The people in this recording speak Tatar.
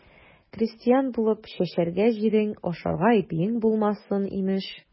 Крестьян булып, чәчәргә җирең, ашарга ипиең булмасын, имеш.